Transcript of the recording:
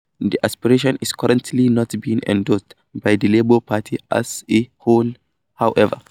The aspiration is currently not being endorsed by the Labour Party as a whole, however.